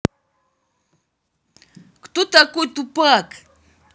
кто такой тупак